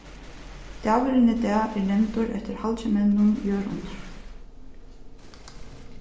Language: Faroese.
dagurin í dag er nevndur eftir halgimenninum jørundur